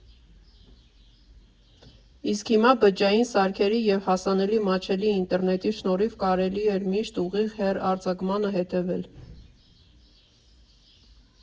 Իսկ հիմա բջջային սարքերի և հասանելի, մատչելի ինտերնետի շնորհիվ կարելի էր միշտ ուղիղ հեռարձակմանը հետևել։